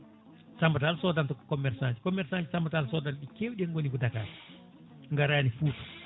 Samba Tall sodanta commerçant ji commerçant Samba Tall sodanta ɗi kewɗi hen gooni ko Dakar garani Fouta